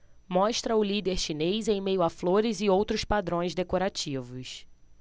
mostra o líder chinês em meio a flores e outros padrões decorativos